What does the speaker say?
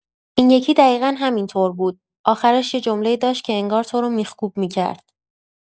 این یکی دقیقا همین‌طور بود، آخرش یه جمله‌ای داشت که انگار تو رو میخکوب می‌کرد.